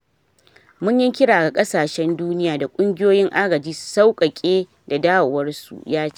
“Mun yi kira ga kasashen duniya da kungiyoyin agaji su sauƙaƙe da dawowar su,” ya ce.